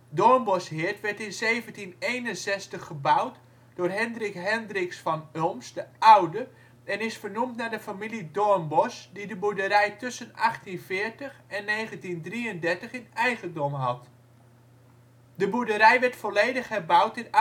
Doornbosheerd werd in 1761 gebouwd door Hendrik Hendriks van Ulms de Oude en is vernoemd naar de familie Doornbos die de boerderij tussen 1840 en 1933 in eigendom had. De boerderij werd volledig herbouwd in